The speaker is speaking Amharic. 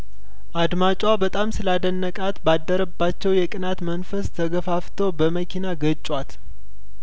አድማጯ በጣም ስላደ ነቃት ባደረባቸው የቅናት መንፈስ ተገፋፍተው በመኪና ገጯት